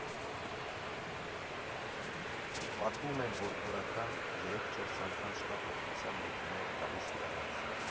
Պատմում են, որ օրական երեք֊չորս անգամ շտապ օգնության մեքենա էր գալիս հյուրանոց…